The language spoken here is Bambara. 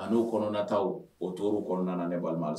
A n'o kɔnɔnanata o to kɔnɔna na sa